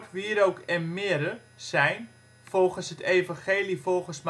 wierook en mirre zijn, volgens het Evangelie volgens